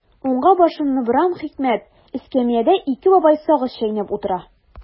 Уңга башымны борам– хикмәт: эскәмиядә ике бабай сагыз чәйнәп утыра.